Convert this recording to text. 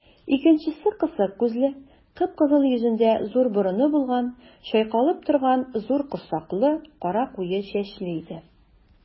Икенчесе кысык күзле, кып-кызыл йөзендә зур борыны булган, чайкалып торган зур корсаклы, кара куе чәчле иде.